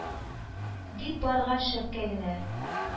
Дип барган шәпкә генә